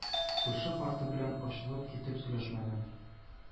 Күрше карты белән ачылып китеп сөйләшмәде,